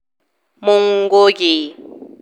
Mun goge.